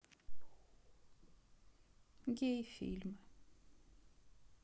гей фильмы